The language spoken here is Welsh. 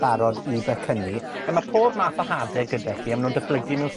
barod i becynnu. Nawr ma' pob math a hade gyda chi, a ma' nw'n datblygu mewn